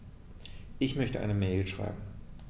Ich möchte eine Mail schreiben.